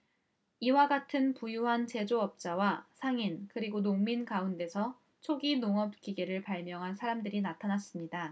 이와 같은 부유한 제조업자와 상인 그리고 농민 가운데서 초기 농업 기계를 발명한 사람들이 나타났습니다